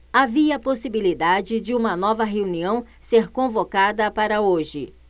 havia possibilidade de uma nova reunião ser convocada para hoje